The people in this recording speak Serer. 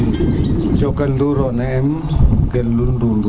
jokal nduro ne em gen lul ndundur